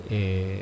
Ee